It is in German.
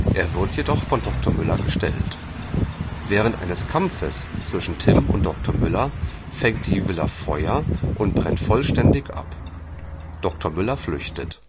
Er wird jedoch von Dr. Müller gestellt. Während eines Kampfes zwischen Tim und Dr. Müller fängt die Villa Feuer und brennt vollständig ab. Dr. Müller flüchtet